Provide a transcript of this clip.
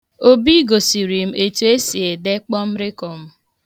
Obi gosiri m etu e si ede kpọm rịkọm.